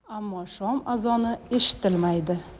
ammo shom azoni eshitilmaydi